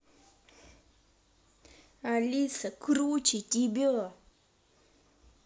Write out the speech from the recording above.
алиса круче тебя